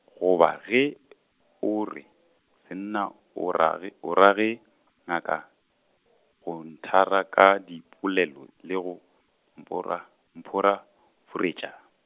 goba ge, o re senna o ra ge, o ra ge, ngaka, go nthera ka dipolelo le go, mpora-, mphoraforetša.